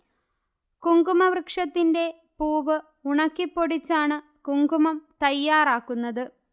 കുങ്കുമവൃക്ഷത്തിന്റെ പൂവ് ഉണക്കിപ്പൊടിച്ചാണ് കുങ്കുമം തയ്യാറാക്കുന്നത്